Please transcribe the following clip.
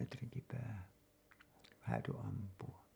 metrinkin päähän häätyi ampua